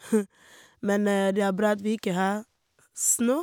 Men det er bra at vi ikke har snø.